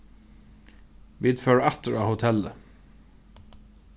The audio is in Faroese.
vit fóru aftur á hotellið